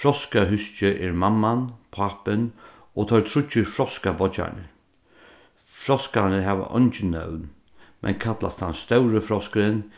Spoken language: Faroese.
froskahúskið er mamman pápin og teir tríggir froskabeiggjarnir froskarnir hava eingi nøvn men kallast tann stóri froskurin